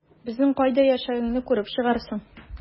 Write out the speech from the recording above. Безнең кайда яшәгәнне күреп чыгарсың...